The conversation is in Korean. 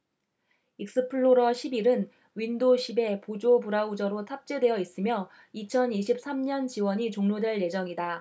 익스플로러 십 일 은 윈도 십 에 보조 브라우저로 탑재되어 있으며 이천 이십 삼 년 지원이 종료될 예정이다